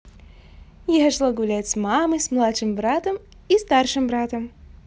я шла гулять с мамой с младшим братом и старшим братом